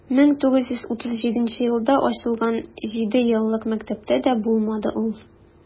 1937 елда ачылган җидееллык мәктәптә дә булмады ул.